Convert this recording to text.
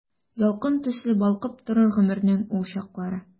Ялкын төсле балкып торыр гомернең ул чаклары.